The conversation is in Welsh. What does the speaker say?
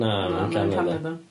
Na, mae'n Canada. Na, mae'n Canada.